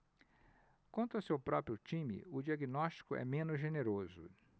quanto ao seu próprio time o diagnóstico é menos generoso